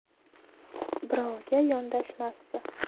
birovga yondashmasdi